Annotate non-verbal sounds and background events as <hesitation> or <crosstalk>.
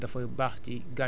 <hesitation> <hesitation>